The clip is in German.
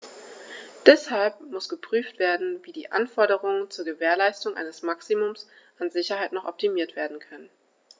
Deshalb muss geprüft werden, wie die Anforderungen zur Gewährleistung eines Maximums an Sicherheit noch optimiert werden können.